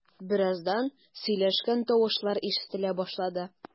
Бераздан сөйләшкән тавышлар ишетелә башлады.